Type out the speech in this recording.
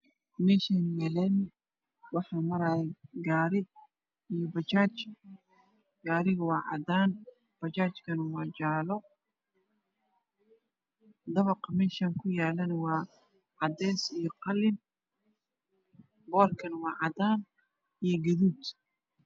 Meshan waa lami waxa marayo gari iyo Bajaj gariga waa cadan Bajaj kana waa jale dabaqa mesh kuyalo waa cades iyo qalin boorkana waa cadan iyo gadud